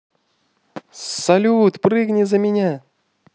салют прыгни за меня